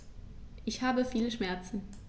Ich habe viele Schmerzen.